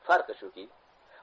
farqi shuki